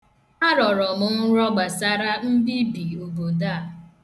Arọrọ m nrọ gbasara mbibi obodo a.